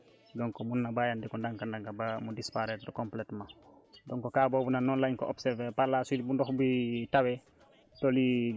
ndax bu saa yu taw bi ñëwee rek taw bu bëri bu wàccee rek donc mun na bàyyandiku ndànk-ndànk ba mu disparaitre complètement donc cas boobu noonu lañ ko observer